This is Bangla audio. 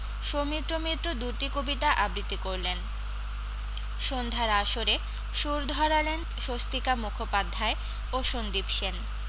সৌমিত্র মিত্র দুটি কবিতা আবৃত্তি করলেন সন্ধ্যার আসরে সুর ধরালেন স্বস্তিকা মুখোপাধ্যায় ও সন্দীপ সেন